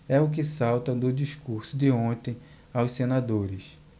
é o que salta do discurso de ontem aos senadores